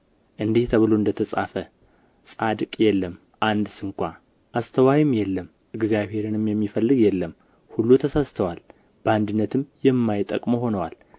እንዲህ ተብሎ እንደ ተጻፈ ጻድቅ የለም አንድ ስንኳ አስተዋይም የለም እግዚአብሔርንም የሚፈልግ የለም ሁሉ ተሳስተዋል በአንድነትም የማይጠቅሙ ሆነዋል